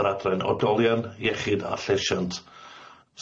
yr adran oedolion iechyd a llesiant,